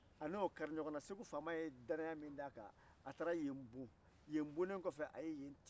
a n'o kari la ɲɔgɔn na segu faama ye danaya min d'a kan a taara yen bon yen bonne kɔfɛ a ye yen ci